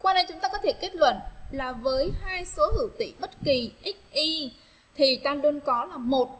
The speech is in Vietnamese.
qua đây chúng ta có thể kết luận là với hai số hữu tỉ bất kì x y thì tăng đơn có là một